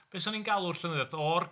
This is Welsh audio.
Be 'sa ni'n galw'r llenyddiaeth? O'r...